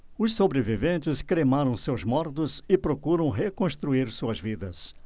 os sobreviventes cremaram seus mortos e procuram reconstruir suas vidas